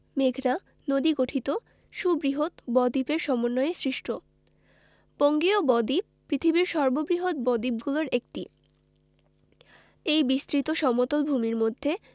মেঘনা নদীগঠিত সুবৃহৎ বদ্বীপের সমন্বয়ে সৃষ্ট বঙ্গীয় বদ্বীপ পৃথিবীর সর্ববৃহৎ বদ্বীপগুলোর একটি এই বিস্তৃত সমতল ভূমির মধ্যে